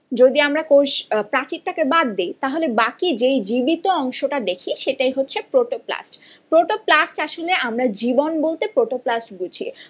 যদি আমরা কোষ প্রাচীর টা কে বাদ দেই তাহলে বাকি যেই জীবিত অংশটা দেখি সেটাই হচ্ছে প্রোটোপ্লাস্ট প্রোটোপ্লাস্ট আসলে আমরা জীবন বলতে প্রোটোপ্লাস্ট বুঝি